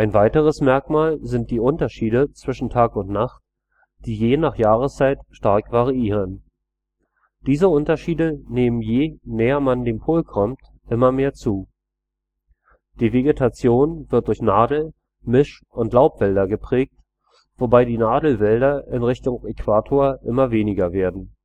weiteres Merkmal sind die Unterschiede zwischen Tag und Nacht, die je nach Jahreszeit stark variieren. Diese Unterschiede nehmen, je näher man dem Pol kommt, immer mehr zu. Die Vegetation wird durch Nadel -, Misch - und Laubwälder geprägt, wobei die Nadelwälder in Richtung Äquator immer weniger werden